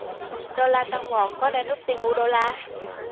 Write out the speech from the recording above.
đô la tăng vọt có nên rút tiền mua đô la